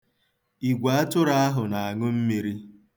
Igweatụrụ ahụ na-aṅụ mmiri.